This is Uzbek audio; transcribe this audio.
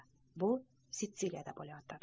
bu sitsiliyada bo'layotir